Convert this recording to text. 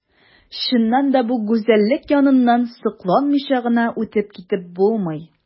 Чыннан да бу гүзәллек яныннан сокланмыйча гына үтеп китеп булмый.